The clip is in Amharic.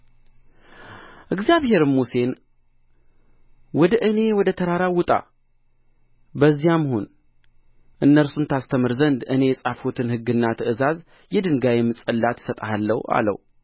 እግዚአብሔርም ሙሴን ወደ እኔ ወደ ተራራው ውጣ በዚያም ሁን እነርሱን ታስተምር ዘንድ እኔ የጻፍሁትን ሕግና ትእዛዝ የድንጋይም ጽላት እሰጥሃለሁ አለው